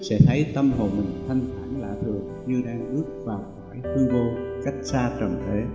sẽ thấy tâm hồn mình thanh thản lạ thường như đang bước vào cỏi hư vô cách xa trần thế